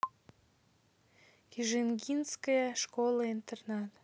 кижингинская школа интернат